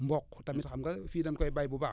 mboq tamit xam nga fii dañu koy bay bu baax